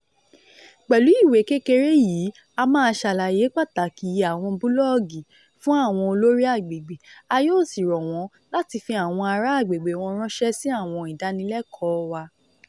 Pẹ̀lú ìwé kékeré yìí, a máa ṣàlàyé pàtàkì àwọn búlọ́ọ́gì fún àwọn olórí agbègbè a yóò sì rọ̀ wọ́n láti fi àwọn ará agbègbè wọn ráńṣẹ́ sí àwọn ìdánilẹ́kọ̀ọ́ wa.